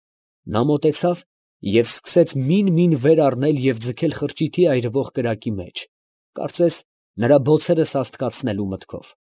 Նա մոտեցավ և սկսեց մին֊մին վեր առնել և ձգել խրճիթի այրվող կրակի մեջ, կարծես, նրա բոցերը սաստկացնելու մտքով։